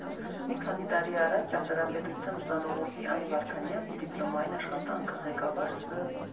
Մի քանի տարի առաջ ճարտարապետության ուսանողուհի Անի Վարդանյանն իր դիպլոմային աշխատանքը (ղեկավար Ս.